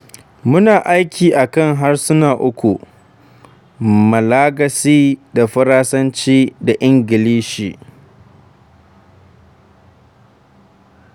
Muna aiki a kan harsuna uku: Malagasy da Faransanci da Ingilishi.